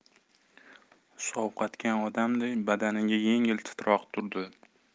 sovqatgan odamday badaniga yengil titroq turdi